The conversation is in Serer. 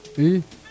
i